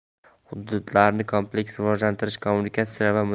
hududlarni kompleks rivojlantirish kommunikatsiyalar